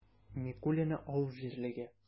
Микулино авыл җирлеге